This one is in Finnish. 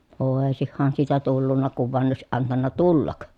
olisihan siitä tullut kun vain olisi antanut tulla